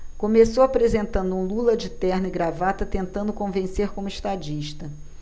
começou apresentando um lula de terno e gravata tentando convencer como estadista